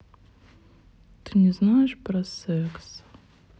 ты не знаешь про секс